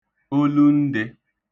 olundị̄